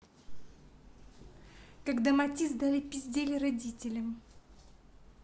когда матисс дали пиздели родителям